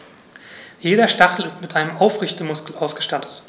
Jeder Stachel ist mit einem Aufrichtemuskel ausgestattet.